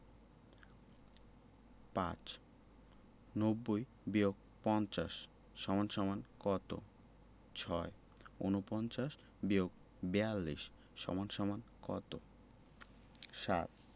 ৫ ৯০-৫০ = কত ৬ ৪৯-৪২ = কত ৭